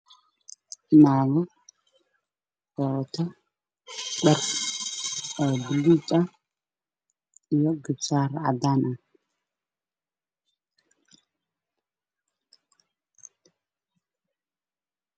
Naago wato dhar buluug ah iyo garbasaar cadaan ah